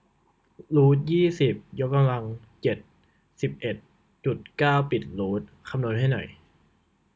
รูทยี่สิบยกกำลังเจ็ดสิบเอ็ดจุดเก้าปิดรูทคำนวณให้หน่อย